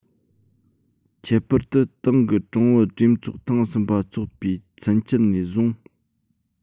ཁྱད པར དུ ཏང གི ཀྲུང ཨུ གྲོས ཚོགས ཐེངས གསུམ པ འཚོགས པའི ཚུན ཆད ནས བཟུང